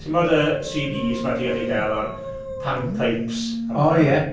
Timod y CDs 'ma ti'n gallu gael, o'r pan pipes... O ie.